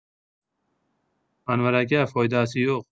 anvar aka foydasi yo'q